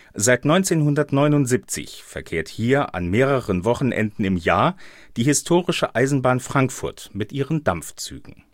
Seit 1979 verkehrt hier an mehreren Wochenenden im Jahr die Historische Eisenbahn Frankfurt mit ihren Dampfzügen